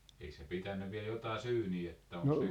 eikö se pitänyt vielä jotakin syyniä että onko ne